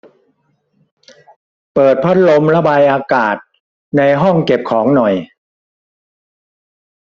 เปิดพัดลมระบายอากาศในห้องเก็บของหน่อย